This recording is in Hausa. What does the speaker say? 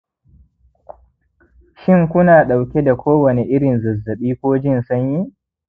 shin ku na ɗauke da kowane irin zazzaɓi ko jin sanyi